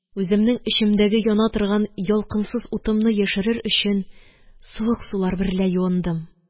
Үземнең эчемдәге яна торган ялкынсыз утымны яшерер өчен, суык сулар берлә юындым.